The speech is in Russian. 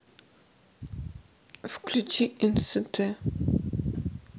включи нст